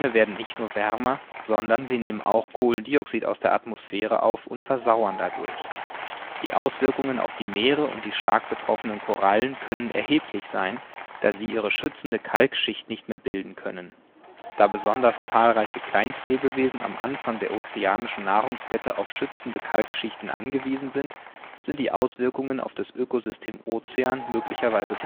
werden nicht nur wärmer, sondern sie nehmen auch Kohlendioxid aus der Atmosphäre auf und versauern dadurch. Die Auswirkungen auf die Meere und die stark betroffenen Korallen können erheblich sein, da sie ihre schützende Kalkschicht nicht mehr bilden können. Da besonders zahlreiche Kleinstlebewesen am Anfang der ozeanischen Nahrungskette auf schützende Kalkschichten angewiesen sind, sind die Auswirkungen auf das Ökosystem Ozean möglicherweise